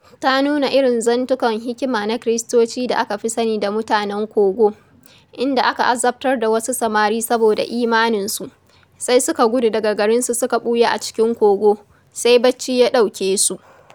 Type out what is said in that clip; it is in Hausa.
Ta nuna irin zantukan hikima na Kiristoci da aka fi sani da 'mutanen Kogo', inda aka azabtar da wasu samari saboda imaninsu, sai suka gudu daga garinsu suka ɓuya a cikin kogo, sai bacci ya ɗauke su.